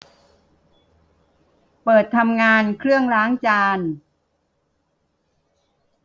เปิดทำงานเครื่องล้างจาน